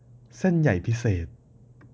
เส้นใหญ่พิเศษ